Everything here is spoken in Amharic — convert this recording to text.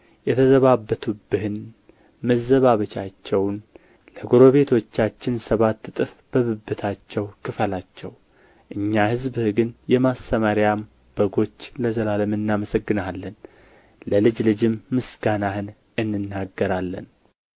የተዘባበቱብህን መዘባበታቸውን ለጎረቤቶቻችን ሰባት እጥፍ በብብታቸው ክፈላቸው እኛ ሕዝብህ ግን የማሰማርያህም በጎች ለዘላለም እናመሰግንሃለን ለልጅ ልጅም ምስጋናህን እንናገራለን